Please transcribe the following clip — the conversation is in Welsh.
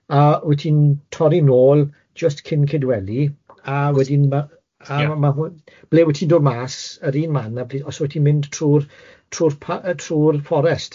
A wyt ti'n torri nôl jyst cyn Cydweli a wedyn ma a ma ma hwn ble wyt ti'n dod mas yr un man a os wyt ti'n mynd trwy'r trwy'r py- trwy'r fforest?